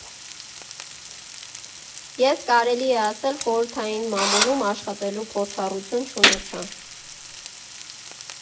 Ես, կարելի է ասել, խորհրդային մամուլում աշխատելու փորձառություն չունեցա։